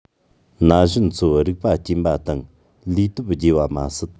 ན གཞོན ཚོ རིག པ སྐྱེན པ དང ལུས སྟོབས རྒྱས པ མ ཟད